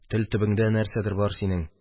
Тел төбеңдә бернәрсә бар синең.